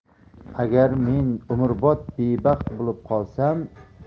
agar men umrbod bebaxt bo'lib qolsam